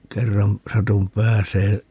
kerran satuin pääsemään